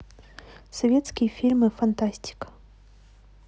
советские фильмы фантастика